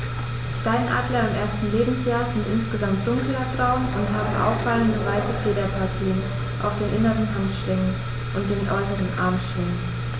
Steinadler im ersten Lebensjahr sind insgesamt dunkler braun und haben auffallende, weiße Federpartien auf den inneren Handschwingen und den äußeren Armschwingen.